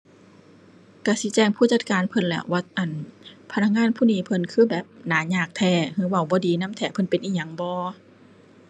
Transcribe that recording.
ก็สิแจ้งผู้จัดการเพิ่นแหละว่า อั่น พนักงานผู้นี้เพิ่นคือแบบ หน้ายากแท้ ก็เว้าบ่ดีนำแท้ เพิ่นเป็นอิหยังบ่